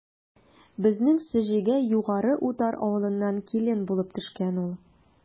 Безнең Сеҗегә Югары Утар авылыннан килен булып төшкән ул.